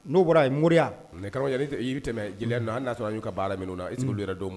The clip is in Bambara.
N'o bɔra ye moriya ani bɛ tɛmɛ na n'a sɔrɔ n' ka baara min i' yɛrɛ don ma